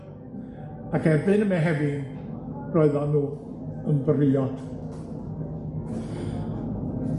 ac erbyn y Mehefin roeddon nw yn briod.